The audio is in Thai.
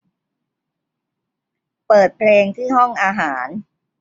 เปิดเพลงที่ห้องอาหาร